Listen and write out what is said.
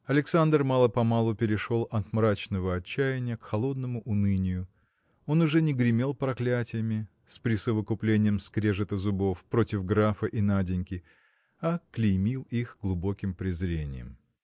Александр мало-помалу перешел от мрачного отчаянья к холодному унынию. Он уже не гремел проклятиями с присовокуплением скрежета зубов против графа и Наденьки а клеймил их глубоким презрением.